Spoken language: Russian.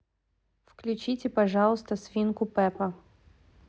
включите пожалуйста свинку пеппа